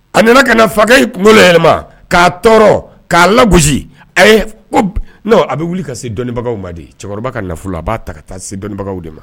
A nana ka na fa cɛ in kunkolo yɛlɛma, k'a tɔɔrɔ, k'a lagosi, ayi ko mais non a bɛ wuli ka se dɔnnibagaw ma de, cɛkɔrɔba ka nafolo a b'a ta ka taa se dɔnnibagaw ma de.